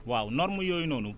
waaw normes yooyu noonu